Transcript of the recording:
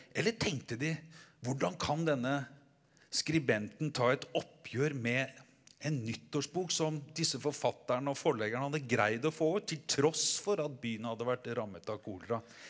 eller tenkte de hvordan kan denne skribenten ta et oppgjør med en nyttårsbok som disse forfatterne og forleggerne hadde greid å få ut til tross for at byen hadde vært rammet av kolera?